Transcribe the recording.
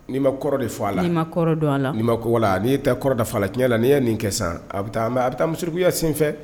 Ni'i ma kɔrɔ de fɔ a la i ma kɔrɔ don a la n' ma ko la n'i ye tɛ kɔrɔ da a lacya la n'i ye nin kɛ san a bɛ a bɛ taauguya senfɛ